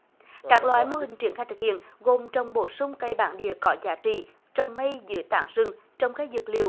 các loại mô hình triển khai thực hiện gồm trong bổ sung cây bản địa có giá trị trồng mây dưới tán rừng trồng cây dược liệu